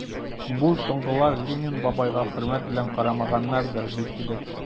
Бу соңгылар Ленин бабайга хөрмәт белән карамаганнардыр, билгеле...